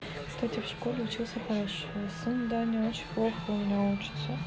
кстати в школе учился хорошо сын даня очень плохо у меня учиться